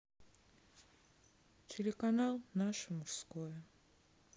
телеканал наше мужское